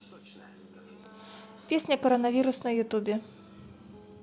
песня коронавирус на ютубе